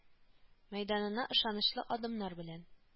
Мәйданына ышанычлы адымнар белән